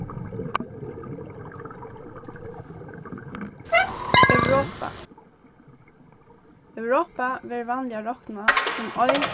europa europa verður vanliga roknað sum ein